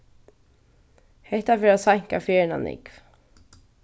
hetta fer at seinka ferðina nógv